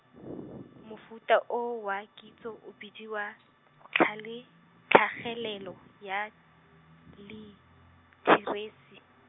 mofuta o wa kitso o bidiwa , tlhale-, tlhagelelo, ya, litheresi.